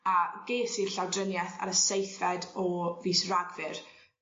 a ges i'r llawdrinieth ar y seithfed o fis Rhagfyr.